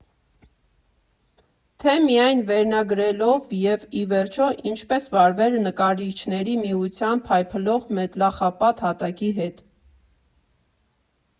Թե՞ միայն վերնագրերով և, ի վերջո, ինչպե՞ս վարվել Նկարիչների միության փայփլող մետլախապատ հատակի հետ։